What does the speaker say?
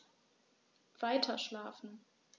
Weiterschlafen.